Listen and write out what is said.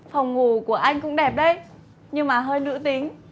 phòng ngủ của anh cũng đẹp đấy nhưng mà hơi nữ tính